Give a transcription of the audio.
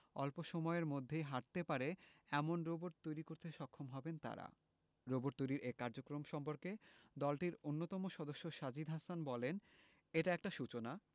অল্প সময়ের মধ্যেই হাঁটতে পারে এমন রোবট তৈরি করতে সক্ষম হবেন তারা রোবট তৈরির এ কার্যক্রম সম্পর্কে দলটির অন্যতম সদস্য সাজিদ হাসান বললেন এটা একটা সূচনা